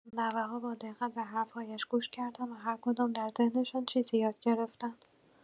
نوه‌ها با دقت به حرف‌هایش گوش کردند و هرکدام در ذهنشان چیزی یاد گرفتند.